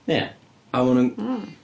Ia... a maen nhw'n... mm.